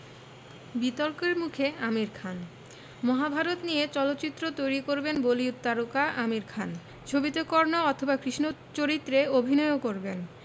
বিতর্কের মুখে আমির খান মহাভারত নিয়ে চলচ্চিত্র তৈরি করবেন বলিউড তারকা আমির খান ছবিতে কর্ণ অথবা কৃষ্ণ চরিত্রে অভিনয়ও করবেন